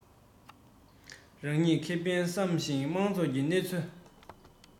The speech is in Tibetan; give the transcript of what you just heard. རང ཉིད ཁེ ཕན བསམ ཞིང མང ཚོགས ཀྱི གནོད ཚེ